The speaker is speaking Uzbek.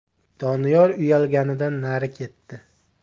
doniyor uyalganidan nari ketdi